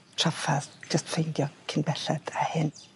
traffarth jyst ffeindio cyn belled â hyn.